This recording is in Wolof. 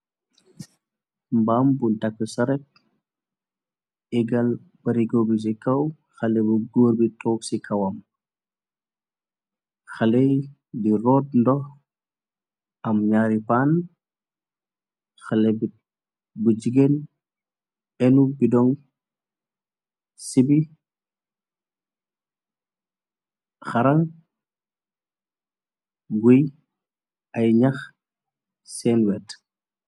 mbaam bu takku sarek igaal barigobi ci kaw xale bu góor bi toog ci kawam xale di root ndox am ñaari paan xale b bu jigéen enu bidoŋ si bi xara guy ay ñax seen wet